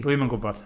Dwi'm yn gwybod.